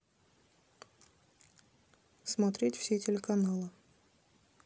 смотреть все телеканалы